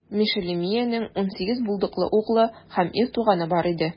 Мешелемиянең унсигез булдыклы углы һәм ир туганы бар иде.